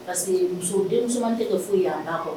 Parce que muso denmusomanin tɛ kɛ fosi ye a ba kɔ.